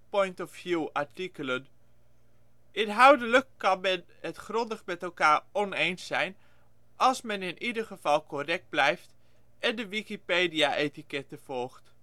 artikelen. Inhoudelijk kan men het grondig met elkaar oneens zijn, als men in ieder geval correct blijft, en de wikipedia-etiquette volgt